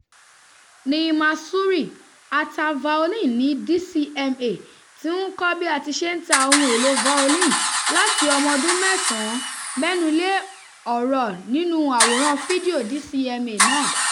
Neema Surri, a ta violin ní DCMA, ti ń kọ́ bí a ti ṣe ń ta ohun èlòo violin láti ọmọdún mẹ́sàn-án mẹ́nu lé ọ̀rọ̀ nínú àwòrán fídíò DCMA náà.